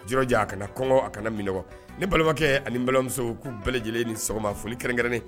Jijɛ a kana kɔngɔ a kana minɔgɔ ni balimabakɛ ani balimamuso ko bɛɛ lajɛlen ni sɔgɔma foli kɛrɛn